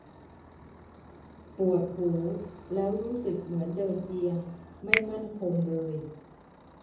ปวดหูแล้วรู้สึกเหมือนเดินเอียงไม่มั่นคงเลย